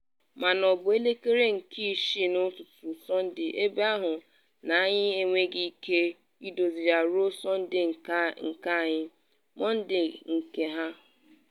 “Mana ọ bụ elekere nke isii n’ụtụtụ Sọnde ebe ahụ na anyị enweghị ike idozi ya ruo Sọnde nke anyị, Mọnde nke ha.